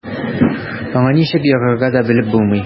Аңа ничек ярарга да белеп булмый.